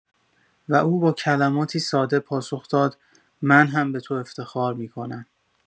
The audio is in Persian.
و او با کلماتی ساده پاسخ داد: من هم به تو افتخار می‌کنم.